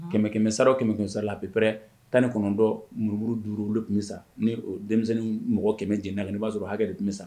Kɛmɛ- sara o kɛmɛ sara la a bɛpɛ tan ni kɔnɔntɔn muruuru duuru tun bɛ sa ni denmisɛnnin mɔgɔ kɛmɛ jna la i b'a sɔrɔ hakɛ de tun bɛ sa